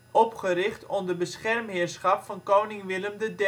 opgericht onder beschermheerschap van Koning Willem III